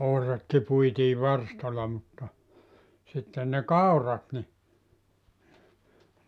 ohratkin puitiin varstalla mutta sitten ne kaurat niin